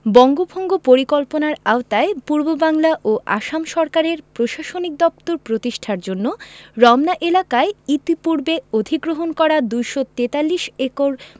বঙ্গভঙ্গ পরিকল্পনার আওতায় পূর্ববাংলা ও আসাম সরকারের প্রশাসনিক দপ্তর প্রতিষ্ঠার জন্য রমনা এলাকায় ইতিপূর্বে অধিগ্রহণ করা ২৪৩ একর